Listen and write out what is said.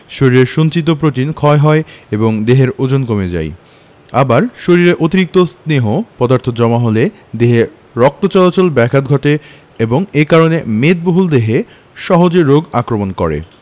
শরীরের সঞ্চিত প্রোটিন ক্ষয় হয় এবং দেহের ওজন কমে যায় আবার শরীরে অতিরিক্ত স্নেহ পদার্থ জমা হলে দেহে রক্ত চলাচলে ব্যাঘাত ঘটে এবং এ কারণে মেদবহুল দেহে সহজে রোগ আক্রমণ করে